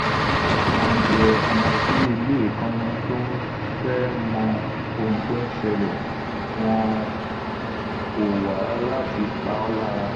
Wọn jẹ ọmọdé eléèékánná, tó ńfẹ́ mọ ohun tó ńṣẹlẹ̀...wọ́n ko wa láti pa ọ́ lára.